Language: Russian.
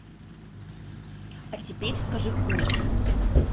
а теперь скажи хуй